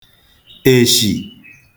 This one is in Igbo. èshì